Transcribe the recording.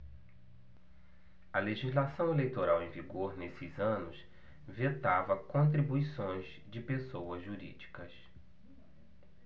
a legislação eleitoral em vigor nesses anos vetava contribuições de pessoas jurídicas